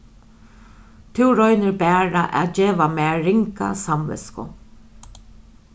tú roynir bara at geva mær ringa samvitsku